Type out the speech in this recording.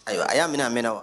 Ayiwa a ya minɛ a mɛna wa